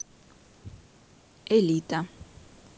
элита